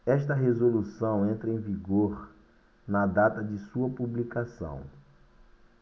esta resolução entra em vigor na data de sua publicação